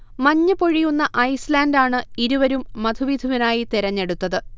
മഞ്ഞ് പൊഴിയുന്ന ഐസ്ലാന്റാണ് ഇരുവരും മധുവിധുവിനായി തെരഞ്ഞെടുത്തത്